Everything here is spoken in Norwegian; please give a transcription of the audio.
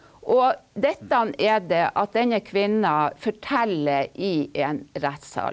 og dette er det at denne kvinna forteller i en rettssal.